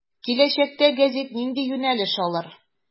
Киләчәктә гәзит нинди юнәлеш алыр.